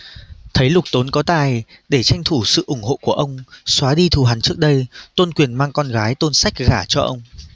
thấy lục tốn có tài để tranh thủ sự ủng hộ của ông xóa đi thù hằn trước đây tôn quyền mang con gái tôn sách gả cho ông